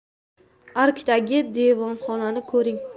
arkdagi devonxonani ko'ring